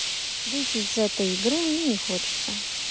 выйти из этой игры мне не хочется